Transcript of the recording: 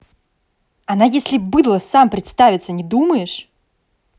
она если быдло сам представиться не думаешь